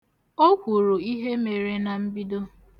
O kwuru ihe mere na mbido.